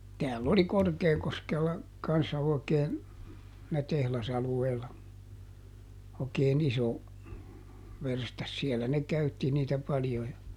täällä oli Korkeakoskella kanssa oikein siinä tehdasalueella oikein iso verstas siellä ne käytti niitä paljon ja